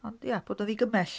Ond ia bod yn ddigymell.